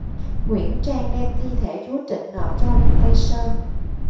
nguyễn trang đem thi thể chúa trịnh nộp cho quân tây sơn